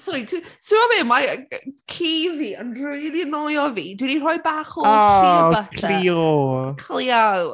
Sori, ti- ti'n gwybod be, mae yy ci fi yn rili anoio fi, dwi 'di rhoi bach o shea butter... O, Cleo... Cleo!